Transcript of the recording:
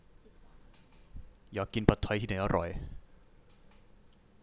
อยากกินผัดไทยที่ไหนอร่อย